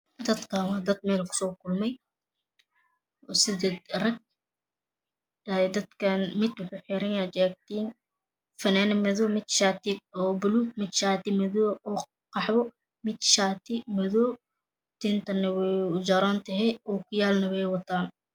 Dadkaani waa dad meel ku Soo kulmey sida: rag mid wuxuu xeran yahay jaata-tiin finaanad madow mid shaati oo baluug mid shaati madow oo khahwo mid shaati madow tintana wey u jaran tahay